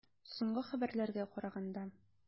Соңгы хәбәрләргә караганда.